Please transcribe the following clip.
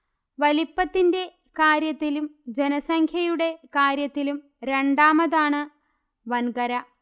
വലിപ്പത്തിന്റെ കാര്യത്തിലും ജനസംഖ്യയുടെ കാര്യത്തിലും രണ്ടാമതാണ് വൻകര